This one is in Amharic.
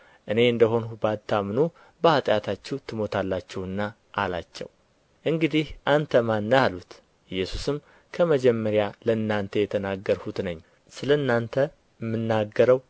እኔ እንደሆንሁ ባታምኑ በኃጢአታችሁ ትሞታላችሁና አላቸው እንግዲህ አንተ ማን ነህ አሉት ኢየሱስም ከመጀመሪያ ለእናንተ የተናገርሁት ነኝ ስለ እናንተ የምናገረው